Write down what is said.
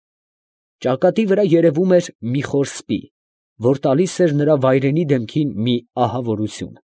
Ճակատի վրա երևում էր մի խոր սպի, որ տալիս էր նրա վայրենի դեմքին մի ահավորություն։